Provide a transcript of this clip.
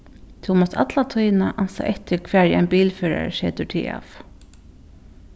tú mást allatíðina ansa eftir hvar ið ein bilførari setur teg av